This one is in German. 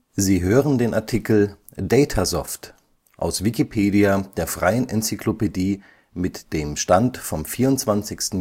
Sie hören den Artikel Datasoft, aus Wikipedia, der freien Enzyklopädie. Mit dem Stand vom Der